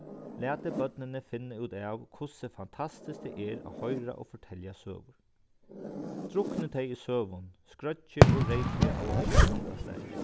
latið børnini finna út av hvussu fantastiskt tað er at hoyra og fortelja søgur druknið tey í søgum skrøggið og reypið av øllum handa slagi